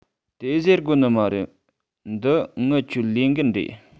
དེ ཟེར དགོ ནི མ རེད འདི ངི ཆོའི ལས འགན རེད